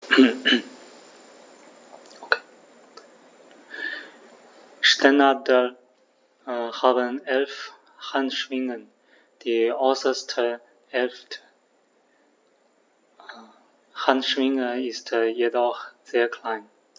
Steinadler haben 11 Handschwingen, die äußerste (11.) Handschwinge ist jedoch sehr klein.